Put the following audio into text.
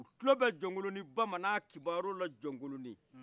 u kulobɛ jɔkoloni bamanan kibarula jɔkoloni